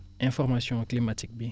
information climatique bi